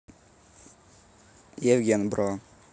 евген бро